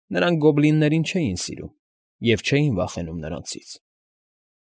Նրանք գոբլիններին չէին սիրում և չէին վախենում նրանցից։